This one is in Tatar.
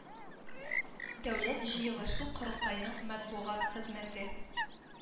Дәүләт ыелышы-корылтайның матбугат хезмәте